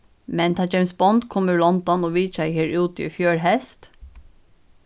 men tá james bond kom úr london og vitjaði her úti í fjør heyst